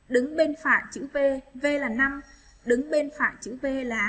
đứng bên phải chữ v v là đứng bên phải chữ v là